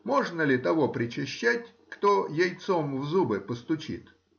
можно ли того причащать, кто яйцом в зубы постучит